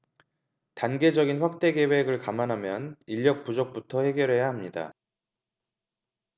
단계적인 확대 계획을 감안하면 인력 부족부터 해결해야 합니다